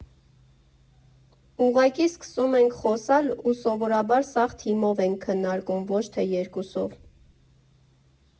Ուղղակի սկսում ենք խոսալ, ու սովորաբար սաղ թիմով ենք քննարկում, ոչ թե երկուսով։